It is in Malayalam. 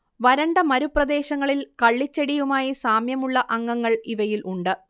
വരണ്ട മരുപ്രദേശങ്ങളിൽ കള്ളിച്ചെടിയുമായി സാമ്യമുള്ള അംഗങ്ങൾ ഇവയിൽ ഉണ്ട്